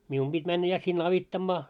minun piti mennä ja sinne auttamaan